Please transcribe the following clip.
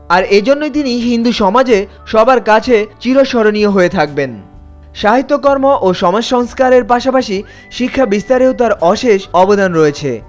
আর এজন্য তিনি হিন্দু সমাজে সবার কাছে চিরস্মরণীয় হয়ে থাকবেন সাহিত্যকর্ম ও সমাজ সংস্কারের পাশাপাশি শিক্ষা বিস্তারে ও তার অশেষ অবদান রয়েছে